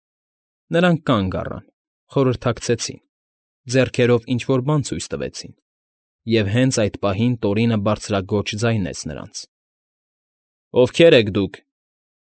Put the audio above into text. Նրանք կանգ առան, խորհրդակցեցին, ձեռքերով ինչ֊որ բան ցույց տվեցին, և հենց այդ պահին Տորինը բարձրաձանեց նրանց. ֊ Ովքե՞ր եք դուք։